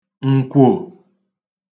ǹkwo